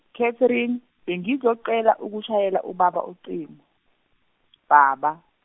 Catherine Bengizocela ukushayela ubaba ucingo, baba.